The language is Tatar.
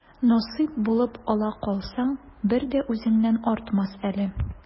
Насыйп булып ала калсаң, бер дә үзеңнән артмас әле.